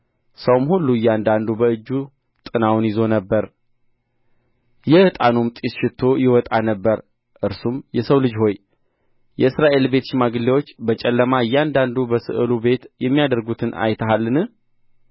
ሰውም ሁሉ እያንዳንዱ በእጁ ጥናውን ይዞ ነበር የዕጣኑም ጢስ ሽቱ ይወጣ ነበር እርሱም የሰው ልጅ ሆይ የእስራኤል ቤት ሽማግሌዎች በጨለማ እያንዳንዱ በስዕሉ ቤት የሚያደርጉትን አይተሃልን